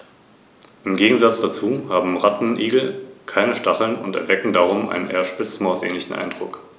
Einfacher zu betrachten ist die üppige Vegetation.